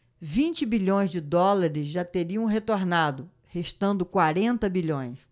vinte bilhões de dólares já teriam retornado restando quarenta bilhões